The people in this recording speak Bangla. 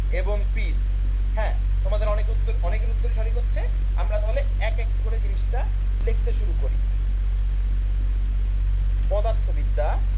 এবং পিস হ্যাঁ তোমাদের অনেকের উত্তরই সঠিক হচ্ছে আমরা তাহলে এক এক করে জিনিসটা লিখতে শুরু করি পদার্থবিদ্যা